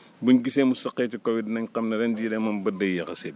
bu ñu gisee mu saqee ci kaw it nañ xam ne ren jii de moom bët day yéex a sébbi